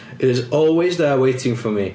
Is always there waiting for me.